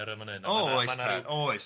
O oes, o oes.